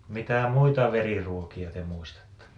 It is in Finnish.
mitä muita veriruokia te muistatte